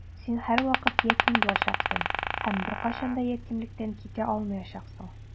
Син һәрвакыт ятим булачаксың һәм беркайчан да ятимлектән китә алмаячаксың.